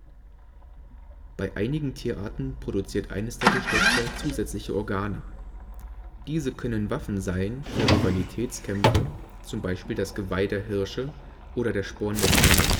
einigen Tierarten produziert eines der Geschlechter zusätzliche Organe. Diese können Waffen sein für Rivalitätskämpfe (z. B. das Geweih der Hirsche oder der Sporn der Hähne